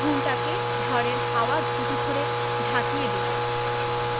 ঘুমটাকে ঝড়ের হাওয়া ঝুঁটি ধরে ঝাঁকিয়ে দিলে